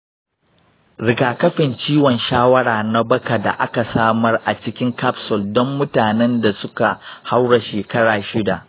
rigakafin ciwon shawara na baka da aka samar a cikin capsule don mutanen da suka haura shekara shida.